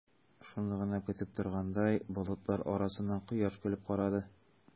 Шуны гына көтеп торгандай, болытлар арасыннан кояш көлеп карады.